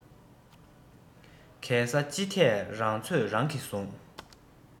གས ས ཅི ཐད རང ཚོད རང གིས བཟུང